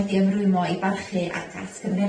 wedi ymrwymo i barchu at atgyfnerthu